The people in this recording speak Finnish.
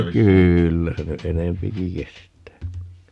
kyllä se nyt enempikin kestää